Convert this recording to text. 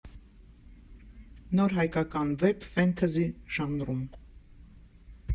Նոր հայկական վեպ՝ ֆենթըզի ժանրում։